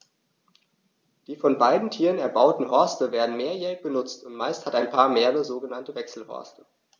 Die von beiden Tieren erbauten Horste werden mehrjährig benutzt, und meist hat ein Paar mehrere sogenannte Wechselhorste.